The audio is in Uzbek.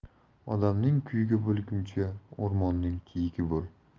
odamning kuyugi bo'lguncha o'rmonning kiyigi bo'l